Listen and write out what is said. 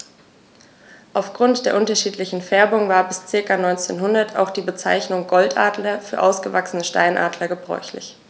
Auf Grund der unterschiedlichen Färbung war bis ca. 1900 auch die Bezeichnung Goldadler für ausgewachsene Steinadler gebräuchlich.